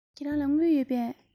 ཁྱེད རང ལ དངུལ ཡོད པས